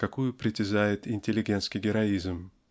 на какую притязает интеллигентский героизм.